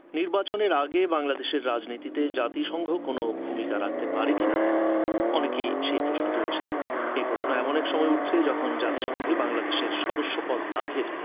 নির্বাচনের আগে বাংলাদেশের কোন রাজনীতিতে জাতিসংঘ কোন ভূমিকা রাখতে পারি কি না অনেকেই প্রশ্ন তুলছেন এ প্রশ্ন এমন এক সময়ে উঠছে যখন জাতিসংঘে বাংলাদেশের সদস্য পদ লাভের